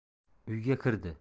uyga kirdi